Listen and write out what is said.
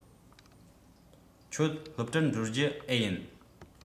ཁྱོད སློབ གྲྭར འགྲོ རྒྱུ འེ ཡིན